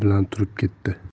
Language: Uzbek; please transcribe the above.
bilan turib ketdi